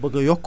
d' accord